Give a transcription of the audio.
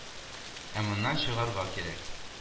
Ә моннан чыгарга кирәк